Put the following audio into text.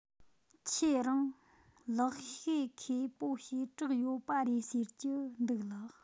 ཁྱེད རང ལག ཤེས མཁས པོ ཞེ དྲག ཡོད པ རེད ཟེར གྱི འདུག ལགས